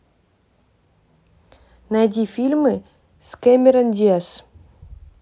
найди фильмы с камерон диаз